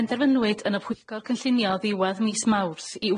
Penderfynwyd yn y pwyllgor cynllunio ddiwadd mis Mawrth i